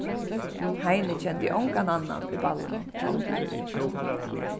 heini kendi ongan annan í ballinum